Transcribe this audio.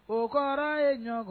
O kɔrɔ ye ɲɔgɔn